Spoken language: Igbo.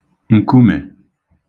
ǹkumè